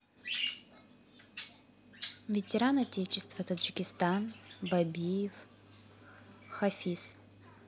ветеран отечества таджикистан бабиев хафиз